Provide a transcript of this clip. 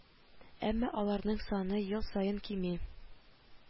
Әмма аларның саны ел саен кими